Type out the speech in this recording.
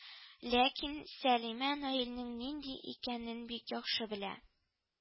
Ләкин Сәлимә Наилнең нинди икәнен бик яхшы белә